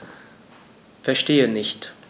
Verstehe nicht.